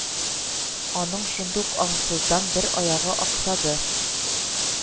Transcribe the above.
Аның шундук аңсыздан бер аягы аксады